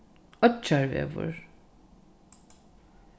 oyggjarvegur